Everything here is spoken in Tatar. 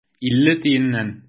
Илле тиеннән.